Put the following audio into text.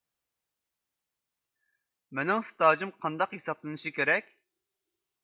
مېنىڭ سىتاژىم قانداق ھېسابلىنىشى كېرەك